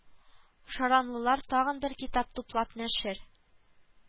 Шаранлылар тагын бер китап туплап нәшер